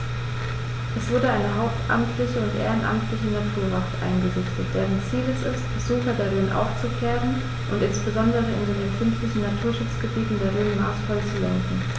Es wurde eine hauptamtliche und ehrenamtliche Naturwacht eingerichtet, deren Ziel es ist, Besucher der Rhön aufzuklären und insbesondere in den empfindlichen Naturschutzgebieten der Rhön maßvoll zu lenken.